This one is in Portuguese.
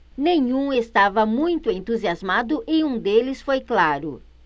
nenhum estava muito entusiasmado e um deles foi claro